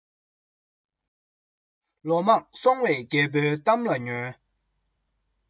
ལོ མང སོང བའི རྒད པོའི གཏམ ལ ཉོན